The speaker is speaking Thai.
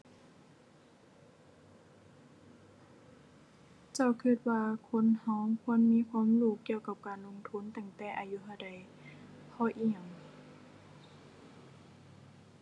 เจ้าคิดว่าคนคิดควรมีความรู้เกี่ยวกับการลงทุนตั้งแต่อายุเท่าใด เพราะอิหยัง